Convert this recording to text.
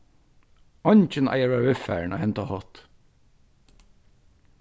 eingin eigur at verða viðfarin á henda hátt